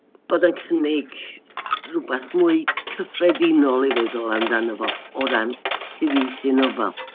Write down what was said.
Bod yn cynnig rwbath mwy cyffredinol i feddwl amdano fo, o ran cyfieithu nofel.